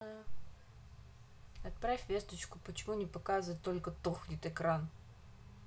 отправь весточку почему не показывает только тухнет экран